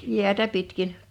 jäätä pitkin